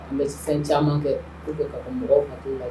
N bɛ san caman kɛ u ka mɔgɔw la